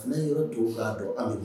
Ne yɔrɔ tun b'a dɔn amadu